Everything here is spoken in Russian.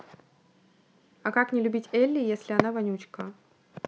а как не любить elli если она вонючка